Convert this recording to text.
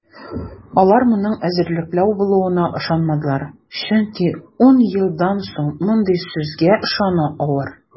Алар моның эзәрлекләү булуына ышанмадылар, чөнки ун елдан соң мондый сүзгә ышану авыр.